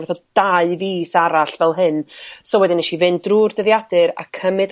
fatha dau fis arall fel hyn so wedyn nesi fynd drw'r dyddiadur a cym'yd